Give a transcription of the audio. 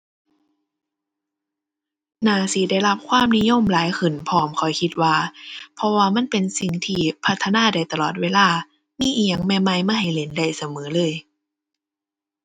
น่าสิได้รับความนิยมหลายขึ้นพร้อมข้อคิดว่า เพราะว่ามันเป็นสิ่งที่พัฒนาได้ตลอดเวลา มีอิหยังใหม่ใหม่มาให้เล่นได้เสมอเลย